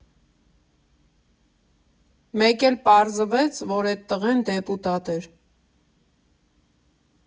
Մեկ էլ պարզվեց, որ էդ տղեն դեպուտատ էր։